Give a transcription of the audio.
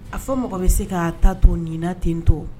A fɔ mɔgɔ bɛ se k kaa taa to ɲin na ten to